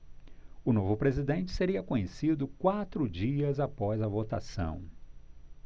o novo presidente seria conhecido quatro dias após a votação